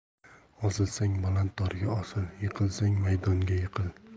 osilsang baland dorga osil yiqilsang maydonga yiqil